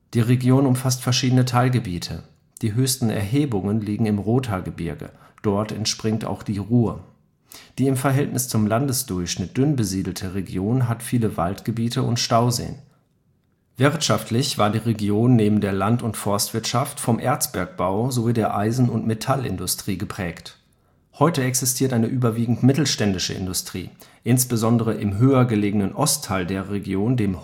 Die Region umfasst verschiedene Teilgebirge. Die höchsten Erhebungen liegen im Rothaargebirge. Dort entspringt auch die Ruhr. Die im Verhältnis zum Landesdurchschnitt dünn besiedelte Region hat viele Waldgebiete und Stauseen. Wirtschaftlich war die Region neben der Land - und Forstwirtschaft vom Erzbergbau sowie der Eisen - und Metallindustrie geprägt. Heute existiert eine überwiegend mittelständische Industrie. Insbesondere im höher gelegenen Ostteil der Region, dem